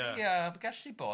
Ie ma'n gallu bod.